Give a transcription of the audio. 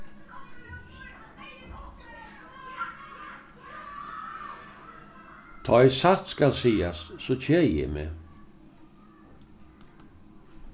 tá ið satt skal sigast so keði eg meg